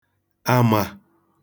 àmà